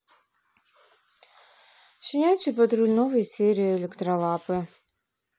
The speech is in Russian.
щенячий патруль новые серии электролапы